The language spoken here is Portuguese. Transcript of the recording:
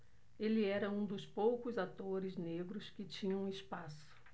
ele era um dos poucos atores negros que tinham espaço